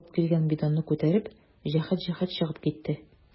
Илсөя алып килгән бидонны күтәреп, җәһәт-җәһәт чыгып китте.